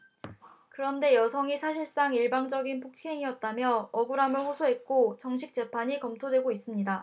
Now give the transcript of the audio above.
그런데 여성이 사실상 일방적인 폭행이었다며 억울함을 호소했고 정식 재판이 검토되고 있습니다